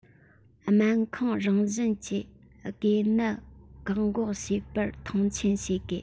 སྨན ཁུངས རང བཞིན གྱི འགོས ནད བཀག འགོག བྱེད པར མཐོང ཆེན བྱེད དགོས